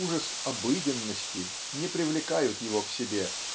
ужас обыденности не привлекают его к себе